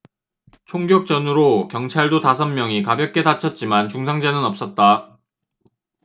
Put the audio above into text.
총격전으로 경찰도 다섯 명이 가볍게 다쳤지만 중상자는 없었다